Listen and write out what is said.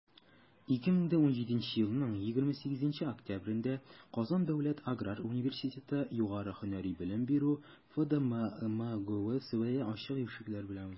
2017 елның 28 октябрендә «казан дәүләт аграр университеты» югары һөнәри белем бирү фдбмусендә ачык ишекләр көне узачак.